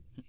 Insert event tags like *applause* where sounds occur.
*hesitation*